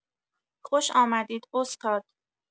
خوش آمدید استاد